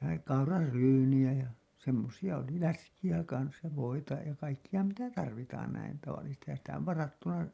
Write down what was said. ja kauraryynejä ja semmoisia oli läskiä kanssa ja voita ja kaikkia mitä tarvitaan näin tavallisestihan sitä on varattava